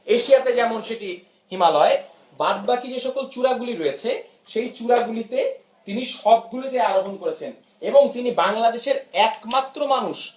এশিয়াতে যেমন সিটি হিমালয় বাদবাকি যে সকল চূড়া গুলি রয়েছে সেই চূড়া গুলিতে তিনি সব গুলিতে আরোহন করেছেন এবং তিনি বাংলাদেশের একমাত্র মানুষ